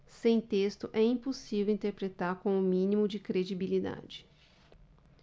sem texto é impossível interpretar com o mínimo de credibilidade